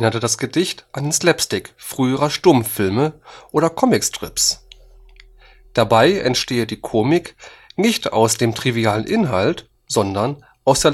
das Gedicht an den Slapstick früher Stummfilme oder Comic Strips. Dabei entstehe die Komik nicht aus dem trivialen Inhalt, sondern aus